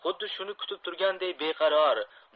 xuddi shuni kutib turganday beqaror